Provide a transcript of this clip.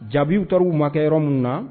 Jaabiw ta uu ma kɛ yɔrɔ min na